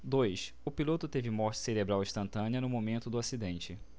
dois o piloto teve morte cerebral instantânea no momento do acidente